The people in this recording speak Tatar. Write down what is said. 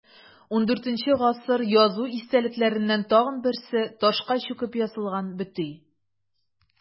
ХIV гасыр язу истәлекләреннән тагын берсе – ташка чүкеп язылган бөти.